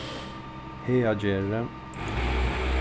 hagagerði